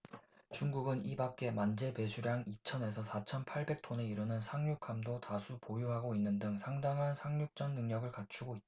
중국은 이밖에 만재배수량 이천 에서 사천 팔백 톤에 이르는 상륙함도 다수 보유하고 있는 등 상당한 상륙전 능력을 갖추고 있다